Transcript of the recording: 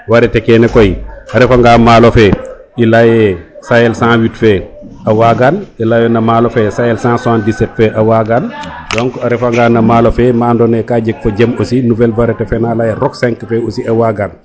varieter kene koy a refa nga malo fe i leya ye sahel 108 fe a wagaan i leyo no malo fe sahel 177 fe a wagan donc a refa nga malo fe me ando naye ka jeg fojem aussi nouvelle varieté fe na leyel rok 5 fe aussi a wagan